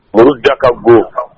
Mori daka b kan